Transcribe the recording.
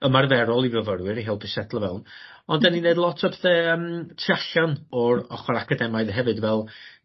ymarferol i fyfyrwyr i helpu setlo fewn ond 'dyn ni'n neud lot o pethe yym tu allan o'r ochor academaidd hefyd fel